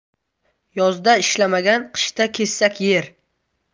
yozda ishlamagan qishda kesak yer